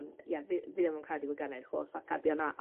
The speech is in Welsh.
On' ie, fi fi ddim yn credu bo'